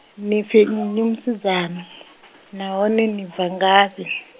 ni pfi nnyi musidzana , nahone ni bva ngafhi ?